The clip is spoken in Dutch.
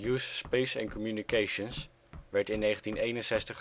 Space and Communications werd in 1961 gesticht